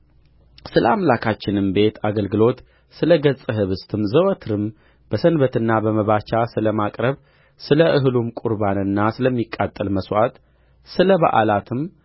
ስለ አምላካችንም ቤት አገልግሎት ስለ ገጸ ኅብስትም ዘወትርም በሰንበትና በመባቻ ስለ ማቅረብ ስለ እህሉ ቍርባንና ስለሚቃጠል መሥዋዕት ስለ በዓላትም